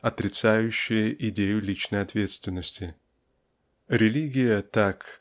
отрицающее идею личной ответственности. Религия так